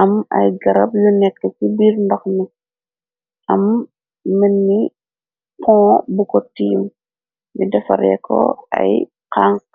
am ay garab yu nekk ci biir ndox mi, am mënni pon bu ko tiim, li defareko ay kank.